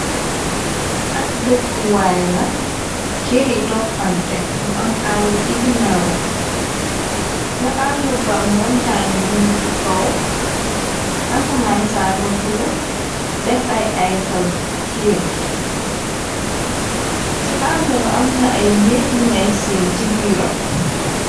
Ab dëkku waay la, keri toppante mu am àll ci ginnaaw. Ca allë ba montaañu ñuñ ci kaw, asamansanga bula def ay aital xiin ca àll ba amna ay neek yu ngay seen ci biiram.